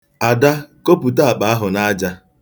Ada, kopute akpa ahụ n'aja